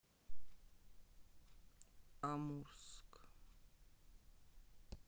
амурск